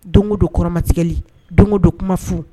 Don don kɔrɔmatigɛli don don kumafu